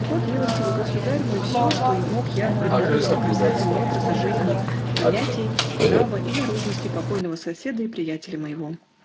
Вот, милостивый государь мой, все, что мог я припомнить касательно образа жизни, занятий, нрава и наружности покойного соседа и приятеля моего.